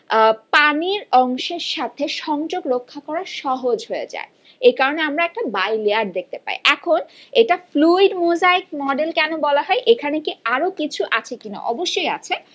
পানির অংশের সাথে সংযোগ রক্ষা করা সহজ হয়ে যায় এ কারণে আমরা একটা বাইরে আর দেখতে পাই এখন এটা ফ্লুইড মোজাইক মডেল কেন বলা হয় এখানে কি আরো কিছু আছে কিনা অবশ্যই আছে